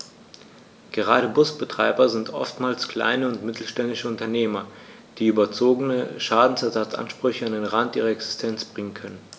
Gerade Busbetreiber sind oftmals kleine und mittelständische Unternehmer, die überzogene Schadensersatzansprüche an den Rand ihrer Existenz bringen können.